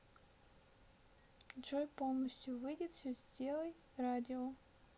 джой полностью выйдет все сделай радио